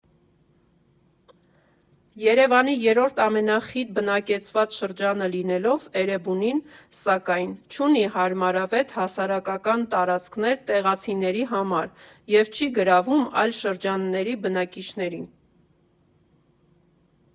Երևանի երրորդ ամենախիտ բնակեցված շրջանը լինելով, Էրեբունին, սակայն, չունի հարմարավետ հասարակական տարածքներ տեղացիների համար և չի գրավում այլ շրջանների բնակիչներին։